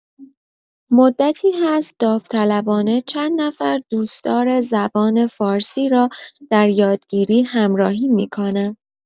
مدتی هست داوطلبانه چند نفر دوستدار زبان فارسی را در یادگیری همراهی می‌کنم.